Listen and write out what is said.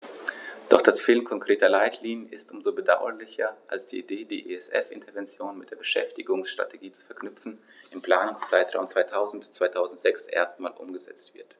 Doch das Fehlen konkreter Leitlinien ist um so bedauerlicher, als die Idee, die ESF-Interventionen mit der Beschäftigungsstrategie zu verknüpfen, im Planungszeitraum 2000-2006 erstmals umgesetzt wird.